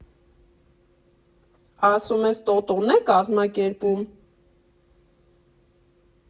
Ասում ես՝ Տոտոն է՞ կազմակերպում։